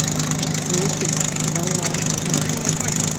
รู้สึกร้อนร้อนหนาวหนาว